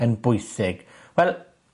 yn bwysig? Wel,